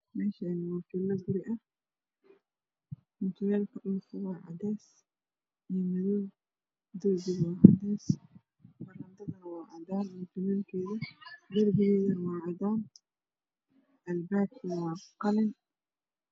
Meeshaan waa filo guri ah mutuleelka waa cadeys iyo madow. Rooguna waa cadeys barandaduna waa cadaan darbiguna Waa cadaan albaabkuna waa qalin.